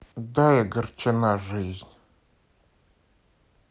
дай огорчена жизнь